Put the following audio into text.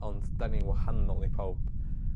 ond 'dan ni'n wahanol i pawb.